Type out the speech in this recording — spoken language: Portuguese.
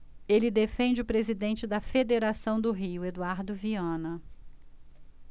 ele defende o presidente da federação do rio eduardo viana